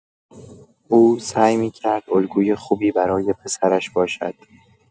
او سعی می‌کرد الگوی خوبی برای پسرش باشد.